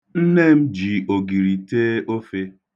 Nne m ji ogiri tee ofe.